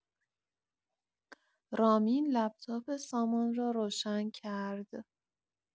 رامین لپ‌تاپ سامان را روشن کرد.